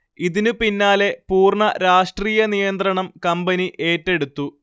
ഇതിന് പിന്നാലെ പൂർണ്ണ രാഷ്ട്രീയ നിയന്ത്രണം കമ്പനി ഏറ്റെടുത്തു